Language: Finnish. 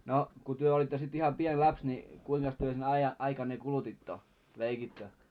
no kun te olitte sitten ihan pieni lapsi niin kuinkas te sen ajan aikanne kulutitte leikitte